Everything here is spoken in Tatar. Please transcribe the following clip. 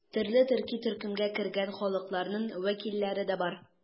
Төрле төрки төркемгә кергән халыкларның вәкилләре дә бар.